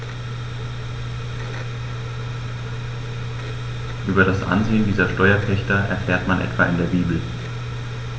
Über das Ansehen dieser Steuerpächter erfährt man etwa in der Bibel.